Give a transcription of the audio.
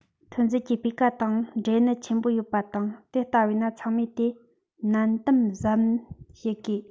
ཐོན རྫས ཀྱི སྤུས ཀ དང འབྲེལ གནད ཆེན པོ ཡོད པ དང དེ ལྟ བས ན ཚང མས དེ ནན དམ གཟབ བྱེད དགོས